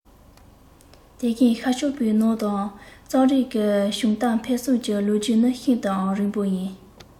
དེ བཞིན ཤར ཕྱོགས པའི ནང དུའང རྩོམ རིག གི བྱུང དར འཕེལ གསུམ གྱི ལོ རྒྱུས ནི ཤིན ཏུའང རིང པོ ཡིན